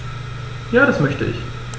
Ja, das möchte ich.